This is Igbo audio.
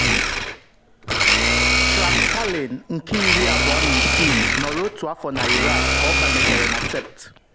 Track Palin, nke iri abụọ na isii, nọrọ otu afọ na Iraq ka ọ banyechara na Sept.